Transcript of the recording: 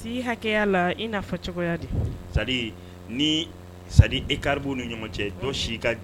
Ya la ia ni e kariribuw ni ɲɔgɔn cɛ ka